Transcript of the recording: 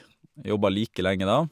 Jobba like lenge da.